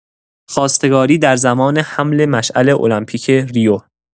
خواستگاری در زمان حمل مشعل المپیک ریو!